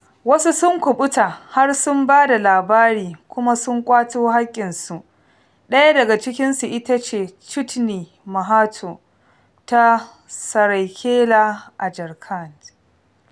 Wasu sun kuɓuta har sun ba da labari kuma sun kwato haƙƙinsu. ɗaya daga cikinsu ita ce Chutni Mahato ta Saraikela a Jharkand.